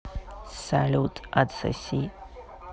салют отсоси